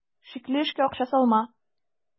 Шикле эшкә акча салма.